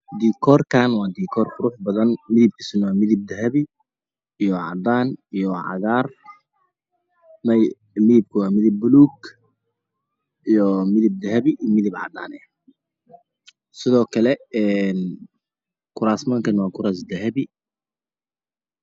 Dikoorkaan waa diikoor qurux badan midabkiisuna waa midab dahabi cadan iyo cagaar maye midabku waa midab bulug iyo midab dahabi iyo midab cad sidookale kuraasmanka waa kurasman dahabi